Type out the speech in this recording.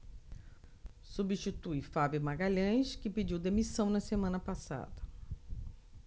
substitui fábio magalhães que pediu demissão na semana passada